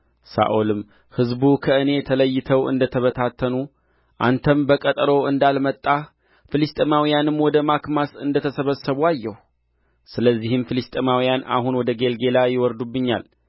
ሳኦልም ሕዝቡ ከእኔ ተለይተው እንደ ተበታተኑ አንተም በቀጠሮው እንዳልመጣህ ፍልስጥኤማውያንም ወደ ማክማስ እንደ ተሰበሰቡ አየሁ ሰለዚህ ፍልስጥኤማውያን አሁን ወደ ጌልገላ ይወርዱብኛል